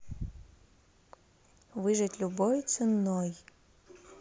выжить любой ценой